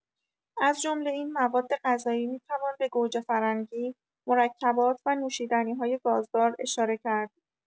از جمله این موادغذایی می‌توان به گوجه‌فرنگی، مرکبات و نوشیدنی‌های گازدار اشاره کرد.